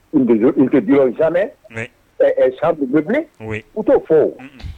Tɛme ɛɛ sab u t'o fo